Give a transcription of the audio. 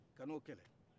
kan'o kɛlɛ